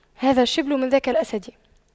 هذا الشبل من ذاك الأسد